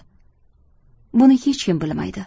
buni hech kim bilmaydi